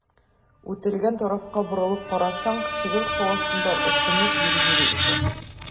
Үтелгән тарафка борылып карасаң, шигырь һавасында очынып йөри-йөри үтә.